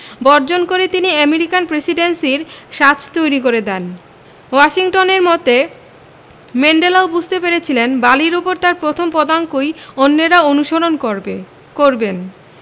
বর্জন করে তিনি এমেরিকান প্রেসিডেন্সির ছাঁচ তৈরি করে দেন ওয়াশিংটনের মতো ম্যান্ডেলাও বুঝতে পেরেছিলেন বালির ওপর তাঁর প্রথম পদাঙ্কই অন্যেরা অনুসরণ করবে করবেন